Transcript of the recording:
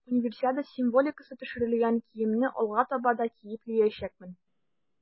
Универсиада символикасы төшерелгән киемне алга таба да киеп йөриячәкмен.